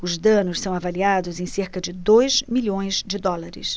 os danos são avaliados em cerca de dois milhões de dólares